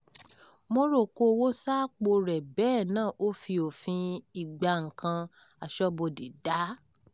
Moro kó owó sápòo rẹ̀ bẹ́ẹ̀ náà ó fo òfin ìgbanǹkan Aṣọ́bodè dá.